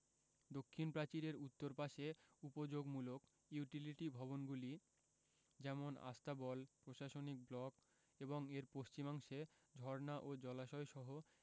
দক্ষিণ প্রাচীরের উত্তর পাশে উপযোগমূলক ইউটিলিটিভবনগুলি যেমন আস্তাবল প্রশাসনিক ব্লক এবং এর পশ্চিমাংশে ঝর্ণা ও জলাশয়সহ